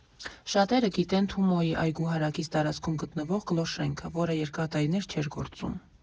Շատերը գիտեն Թումոյի այգու հարակից տարածքում գտնվող կլոր շենքը, որը երկար տարիներ չէր գործում։